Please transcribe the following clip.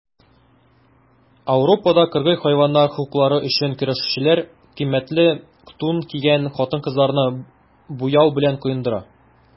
Ауропада кыргый хайваннар хокуклары өчен көрәшүчеләр кыйммәтле тун кигән хатын-кызларны буяу белән коендыра.